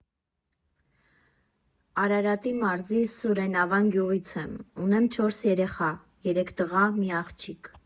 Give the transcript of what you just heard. Արարատի մարզի Սուրենավան գյուղից եմ, ունեմ չորս երեխա՝ երեք տղա, մի աղջիկ։